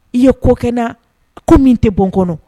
I ye ko kɛ n na ko min tɛ bɔ n kɔnɔ.